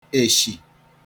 èshì